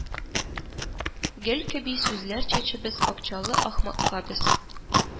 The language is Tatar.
Гөл кеби сүзләр чәчәбез акчалы ахмакка без